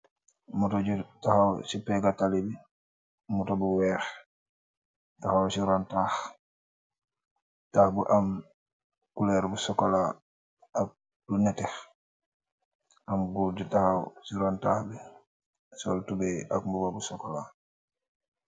Motor gu tahaw see pegaa talibi, motor bu weeh tahaw se ronn tahh, tahh bu am coloor bu sokula ak lu netee, am goor bu tahaw se ronn tahh bi sol tobay ak muba bu sokula .